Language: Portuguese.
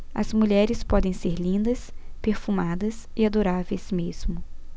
as mulheres podem ser lindas perfumadas e adoráveis mesmo